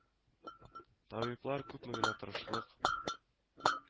Табиблар күпме генә тырышлык